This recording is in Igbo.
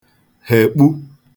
hèkpu